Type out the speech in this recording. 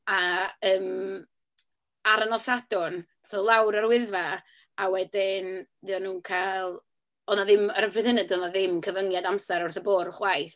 A, yym, ar y nos Sadwrn ddaethon nhw lawr o'r Wyddfa a wedyn fuon nhw'n cael... oedd 'na ddim... ar y pryd hynny doedd 'na ddim cyfyngiad amser wrth y bwrdd chwaith.